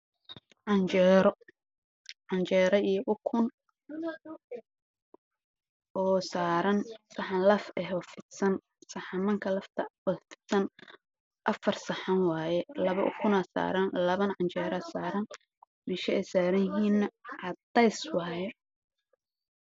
Waa canjeero iyo ukun saaran saxan